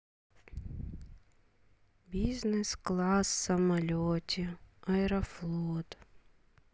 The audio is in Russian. бизнес класс в самолете аэрофлот